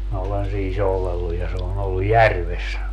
minä olen siinä soudellut ja se on ollut järvessä